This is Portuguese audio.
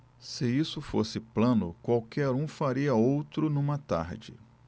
se isso fosse plano qualquer um faria outro numa tarde